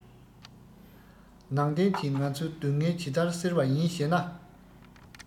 ནང བསྟན གྱིས ང ཚོའི སྡུག བསྔལ ཇི ལྟར སེལ བ ཡིན ཞེ ན